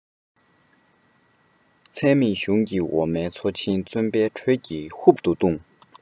ཚད མེད གཞུང ཀྱི འོ མའི མཚོ ཆེན བརྩོན པའི འགྲོས ཀྱིས ཧུབ ཏུ བཞེས